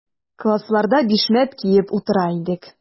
Классларда бишмәт киеп утыра идек.